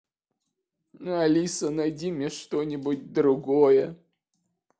алиса найди мне другое что нибудь